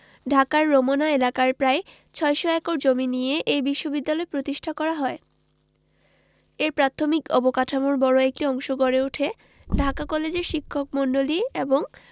ঢাকার রমনা এলাকার প্রায় ৬০০ একর জমি নিয়ে এ বিশ্ববিদ্যালয় প্রতিষ্ঠা করা হয় এর প্রাথমিক অবকাঠামোর বড় একটি অংশ গড়ে উঠে ঢাকা কলেজের শিক্ষকমন্ডলী এবং